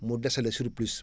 mu dese la la surplus